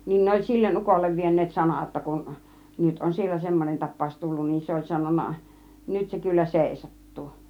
niin ne oli sille ukolle vieneet sanaa jotta kun nyt on siellä semmoinen tapaus tullut niin se oli sanonut nyt se kyllä seisahtuu